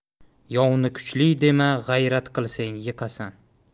yovni kuchli dema g'ayrat qilsang yiqasan